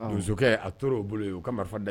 Donso a tora'o bolo ye u ka marifa